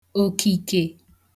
òkìkè